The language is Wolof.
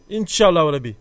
incha allahu rabi